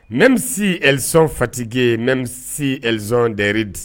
même si elles sont fatiguées même si elles ont des rides